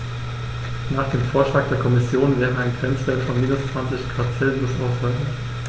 Nach dem Vorschlag der Kommission wäre ein Grenzwert von -20 ºC ausreichend.